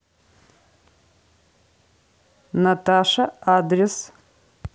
наташа адрес